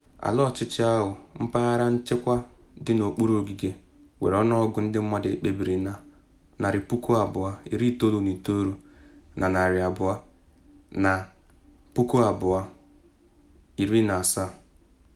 Ala ọchịchị ahụ, mpaghara nchịkwa dị n’okpuru ogige, nwere ọnụọgụgụ ndị mmadụ ekpebiri na 299,200 na 2017.